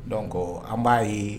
Donc an b'a ye